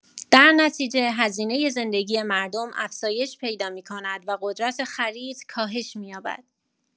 در نتیجه هزینه زندگی مردم افزایش پیدا می‌کند و قدرت خرید کاهش می‌یابد.